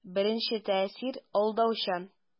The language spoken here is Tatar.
Беренче тәэсир алдаучан.